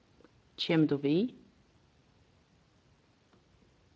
kemur tú við